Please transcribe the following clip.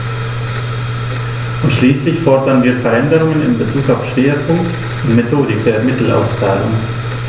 Und schließlich fordern wir Veränderungen in bezug auf Schwerpunkt und Methodik der Mittelauszahlung.